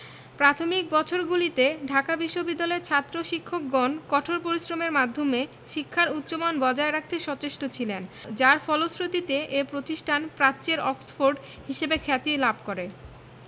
প্রাথমিক বছরগুলিতে ঢাকা বিশ্ববিদ্যালয়ের ছাত্র শিক্ষকগণ কঠোর পরিশ্রমের মাধ্যমে শিক্ষার উচ্চমান বজায় রাখতে সচেষ্ট ছিলেন যার ফলশ্রুতিতে এ প্রতিষ্ঠান প্রাচ্যের অক্সফোর্ড হিসেবে খ্যাতি লাভ করে